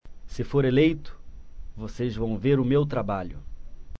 se for eleito vocês vão ver o meu trabalho